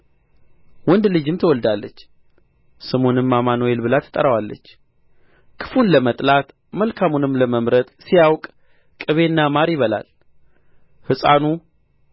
ወንድ ልጅም ትወልዳለች ስሙንም አማኑኤል ብላ ትጠራዋለች ክፉን ለመጥላት መልካሙንም ለመምረጥ ሲያውቅ ቅቤና ማር ይበላል ሕፃኑ